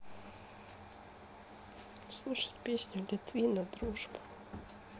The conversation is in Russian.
слушать песню литвина дружба